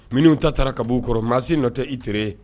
Minnu ta taara kab kɔrɔ maasi nɔ tɛ itirire